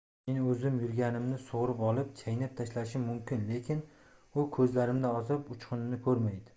men o'zim yuragimni sug'urib olib chaynab tashlashim mumkin lekin u ko'zlarimda azob uchqunini ko'rmaydi